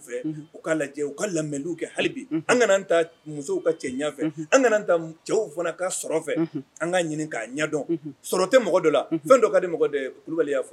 An kana musow cɛ ɲɛfɛ an kana cɛw fana ka fɛ an ka ɲini k'a ɲɛdɔn sɔrɔ tɛ mɔgɔ dɔ la fɛn dɔ ka dibali y'a fɔ